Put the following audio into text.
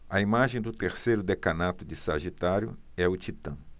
a imagem do terceiro decanato de sagitário é o titã